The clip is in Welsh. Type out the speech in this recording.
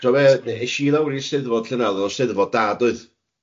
T'o' be'? Es i lawr i'r Steddfod llynadd, o'dd o'n Steddfod da doedd?